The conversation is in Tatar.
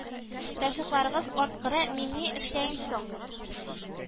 Тәүфыйкларыгыз арткыры, мин ни эшләем соң